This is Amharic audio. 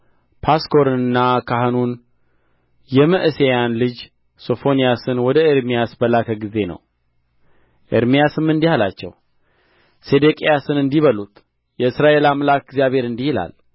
ጳስኮርንና ካህኑን የመዕሤያን ልጅ ሶፎንያስ ወደ ኤርምያስ በላከ ጊዜ ነው ኤርምያስም እንዲህ አላቸው ሴዴቅያስን እንዲህ በሉት የእስራኤል አምላክ እግዚአብሔር እንዲህ ይላል